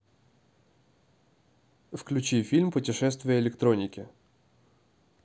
включи фильм путешествие электроники